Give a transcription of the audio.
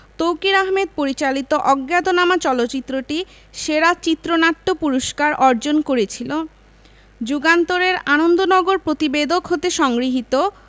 তৌকীর আহমেদ পরিচালিত অজ্ঞাতনামা চলচ্চিত্রটি সেরা চিত্রনাট্য পুরস্কার অর্জন করেছিল যুগান্তর এর আনন্দনগর প্রতিবেদক হতে সংগৃহীত